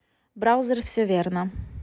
браузер все верно